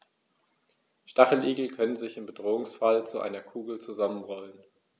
Stacheligel können sich im Bedrohungsfall zu einer Kugel zusammenrollen.